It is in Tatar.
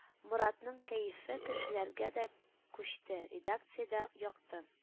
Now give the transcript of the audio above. Моратның кәефе кешеләргә дә күчте, редакциядә якты,